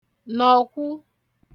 nọ̀kwu